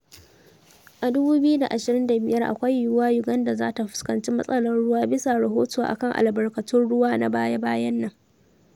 A 2025 akwai yiwuwar Uganda za ta fuskanci matsalar ruwa bisa rahoto a kan albarkatun ruwa na baya-bayan nan.